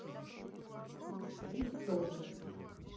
тин ток